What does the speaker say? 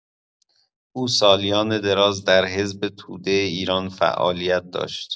او سالیان دراز در حزب توده ایران فعالیت داشت.